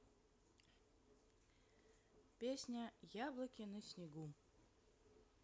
песня яблоки на снегу